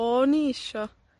o'n i isio